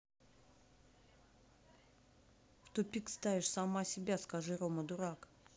в тупик ставишь сама себя скажи рома дурак